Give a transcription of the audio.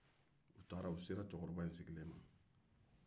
u taara se cɛkɔrɔba in sigilen ma